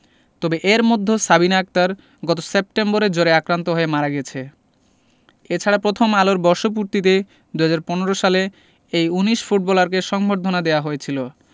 তবে এর মধ্য সাবিনা আক্তার গত সেপ্টেম্বরে জ্বরে আক্রান্ত হয়ে মারা গেছে এ ছাড়া প্রথম আলোর বর্ষপূর্তিতে ২০১৫ সালে এই ১৯ ফুটবলারকে সংবর্ধনা দেওয়া হয়েছিল